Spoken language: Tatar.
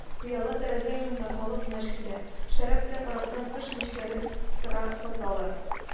Пыяла тәрәзә янында халык мәш килә, шәраб белән аракыдан тыш, мичкәле сыра саталар